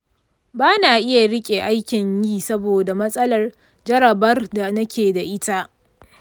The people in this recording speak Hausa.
ba na iya riƙe aikin yi saboda matsalar jarabar da nake da ita.